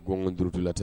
Ko n turutu la tɛ